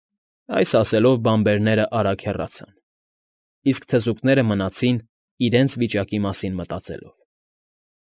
Այս ասելով բանբերներն արագ հեռացան, իսկ թզուկները մնացին՝ իրենց վիճակի մասին մտածելով։